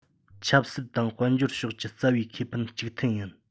ཆབ སྲིད དང དཔལ འབྱོར ཕྱོགས ཀྱི རྩ བའི ཁེ ཕན གཅིག མཐུན ཡིན